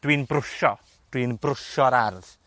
dwi 'n brwsio. Dwi'n brwsio'r ardd.